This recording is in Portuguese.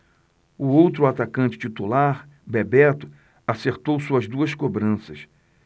o outro atacante titular bebeto acertou suas duas cobranças